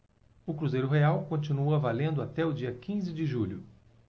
o cruzeiro real continua valendo até o dia quinze de julho